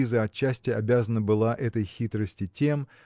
Лиза отчасти обязана была этой хитрости тем